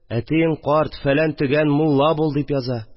«әтиең карт, фәлән-төгән, мулла бул», – дип яза.